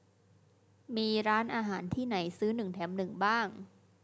มีร้านอาหารที่ไหนซื้อหนึ่งแถมหนึ่งบ้าง